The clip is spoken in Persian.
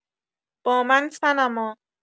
با من صنما